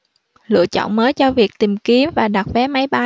lựa chọn mới cho việc tìm kiếm và đặt vé máy bay